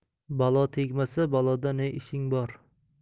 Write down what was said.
balo tegmasa baloda ne ishing bor